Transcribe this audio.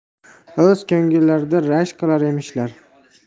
o'z ko'ngillarida rashk qilar emishlar